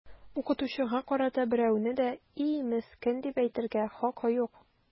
Укытучыга карата берәүнең дә “и, мескен” дип әйтергә хакы юк!